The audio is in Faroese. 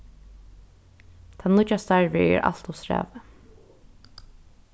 tað nýggja starvið er alt ov strævið